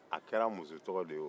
a kɛra muso tɔgɔ de ye wo